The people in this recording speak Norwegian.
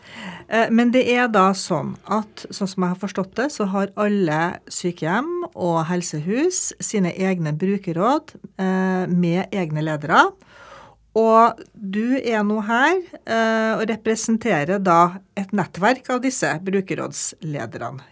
men det er da sånn at sånn som jeg har forstått det så har alle sykehjem og helsehus sine egne brukerråd med egne ledere og du er nå her og representerer da et nettverk av disse brukerrådslederne.